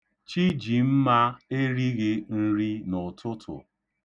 Chijimma erighị nri n'ụtụtụ.